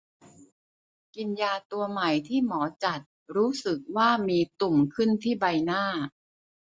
กินยาตัวใหม่ที่หมอจัดรู้สึกว่ามีตุ่มขึ้นที่ใบหน้า